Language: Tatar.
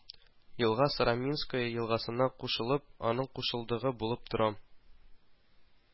Елга Сороминская елгасына кушылып, аның кушылдыгы булып тора